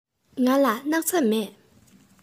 ང ལ སྣག ཚ མེད